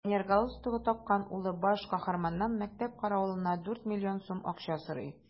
Пионер галстугы таккан улы баш каһарманнан мәктәп каравылына дүрт миллион сум акча сорый.